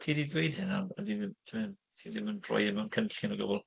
Ti 'di dweud hwnna, ond di ti'm yn... ti ddim yn rhoi e mewn cynllun o gwbl.